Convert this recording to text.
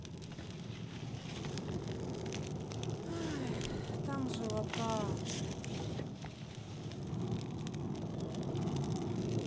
там живота